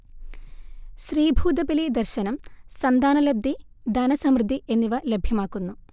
ശ്രീഭൂതബലി ദർശനം സന്താനലബ്ധി, ധനസമൃദ്ധി എന്നിവ ലഭ്യമാക്കുന്നു